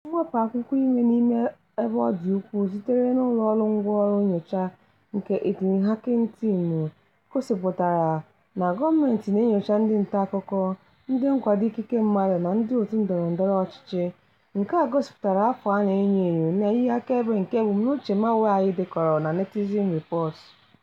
Mwepu akwụkwọ ime n'ebe ọ dị ukwuu sitere n'ụlọọrụ ngwanro nnyocha nke Italy Hacking Team gosịpụtara na gọọmentị na-enyocha ndị ntaakụkọ, ndị nkwado ikike mmadụ na ndịòtù ndọrọndọrọ ọchịchị - nke a gosịpụtara afọ a na-enyo enyo na ihe akaebe nke ebumnuche malwee anyị dekọrọ na Netizen Report.